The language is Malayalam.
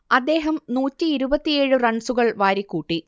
അദ്ദേഹം നൂറ്റിയിരുപത്തിയേഴ് റൺസുകൾ വാരിക്കൂട്ടി